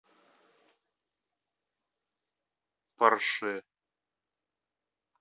porsche